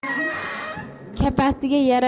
kapasiga yarasha qirmovi